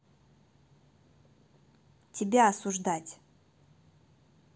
тебя осуждать